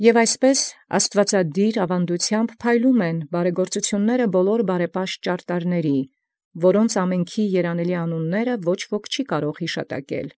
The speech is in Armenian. Եւ այնպես միահամուռ ամենայն աստուածակրաւն արուեստականացն բարեգործութիւնք՝ փայլեն յաստուածագիր աւրինացն, զորոց չէ ոք բաւական յիշատակել զերանելի անուանց գումարութիւն։